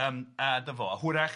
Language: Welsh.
Yym a dy' fo, hwyrach